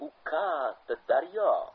u katta daryo